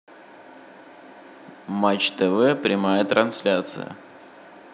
матч тв прямая трансляция